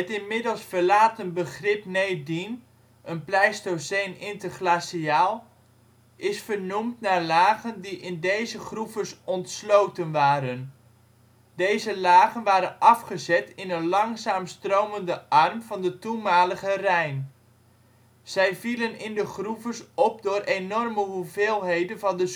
inmiddels verlaten begrip Needien, een Pleistoceen interglaciaal, is vernoemd naar lagen die in deze groeves ontsloten waren. Deze lagen waren afgezet in een langzaam stromende arm van de toenmalige Rijn. Zij vielen in de groeves op door enorme hoeveelheden van de